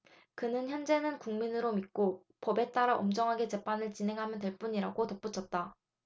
그는 헌재는 국민들을 믿고 법에 따라 엄정하게 재판을 진행하면 될 뿐이다라고 덧붙였다